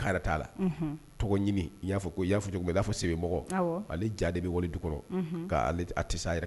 A la tɔgɔ'a fɔ ko y'acogo i y'a fɔ mɔgɔ ale ja de bɛ wale dukɔrɔ k' a tɛ yɛrɛ